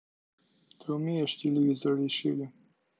ты умеешь телевизор решили